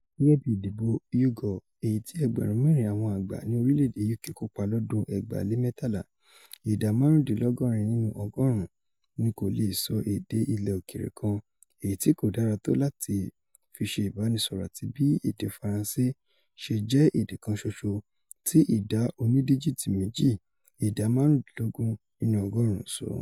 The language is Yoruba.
Gẹ́gẹ́ bi ìdìbò YouGov èyití ẹgbẹ̀rún mẹ́rin àwọn àgbà ní orile-ede UK kópa lọ́dún 2013, ìdá márùndínlọ́gọ́rin nínú ọgọ́ọ̀rún ni kò leè sọ èdè ilẹ̀ òkèèrè kan èyití kódára tó láti fiṣe ibánisọ̀rọ̀ atí bii èdè Faranṣe sè jẹ́ èdè kan ṣoṣo tí ìdá oní-díjíìtì méjì, ìdá márùndínlógún nínú ọgọ́ọ̀rún ńsọ.